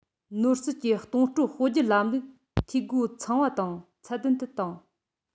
ནོར སྲིད ཀྱི གཏོང སྤྲོད སྤོ སྒྱུར ལམ ལུགས འཐུས སྒོ ཚང བ དང ཚད ལྡན དུ བཏང